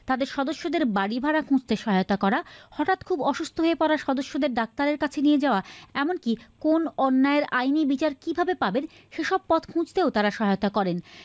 তাদের সদস্যদের বাড়ি ভাড়া খুঁজতে সহায়তা করা হঠাৎ খুব অসুস্থ হয়ে যাওয়ার সদস্যদের ডাক্তারের কাছে নিয়ে যাওয়া এমনকি কোন আইনি বিচার কিভাবে পাবে খুঁজতেও তারা সহায়তা করেন